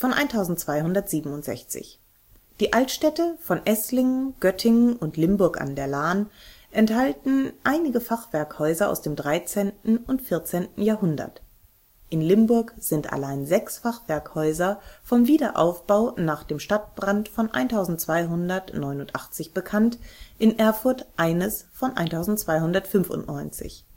1267. Die Altstädte von Esslingen, Göttingen und Limburg an der Lahn enthalten einige Fachwerkhäuser aus dem 13. und 14. Jahrhundert; in Limburg sind allein sechs Fachwerkhäuser vom Wiederaufbau nach dem Stadtbrand von 1289 (bis 1296) bekannt, in Erfurt eines von 1295